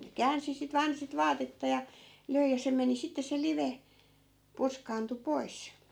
ne käänsi sitten vain sitten vaatetta ja löi ja se meni sitten se live purskaantui pois